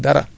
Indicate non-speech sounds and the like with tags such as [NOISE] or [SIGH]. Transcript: [HESITATION] [HESITATION]